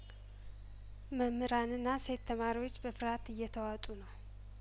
መምህራንና ሴት ተማሪዎች በፍርሀት እየተዋጡ ነው